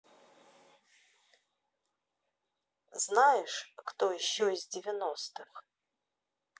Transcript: знаешь кто еще из девяностых